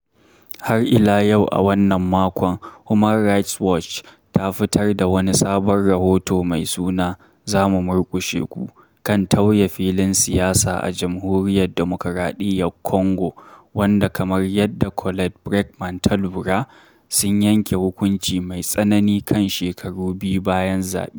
Har ila yau a wannan makon, Human Rights Watch ta fitar da wani sabon rahoto mai suna “Za mu murƙushe ku”, kan tauye filin siyasa a Jamhuriyar Demokaradiyyar Kongo, wanda kamar yadda Colette Braeckman ta lura “sun yanke hukunci mai tsanani kan shekaru biyu bayan zaɓe”.